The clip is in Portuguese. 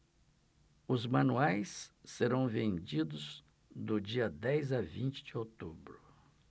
os manuais serão vendidos do dia dez a vinte de outubro